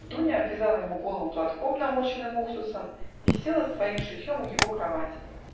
Дуня обвязала ему голову платком, намоченным уксусом, и села с своим шитьем у его кровати.